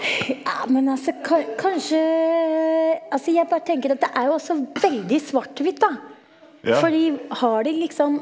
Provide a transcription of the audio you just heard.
ja men altså kanskje altså jeg bare tenker at det er jo også veldig svart-hvitt da fordi har de liksom.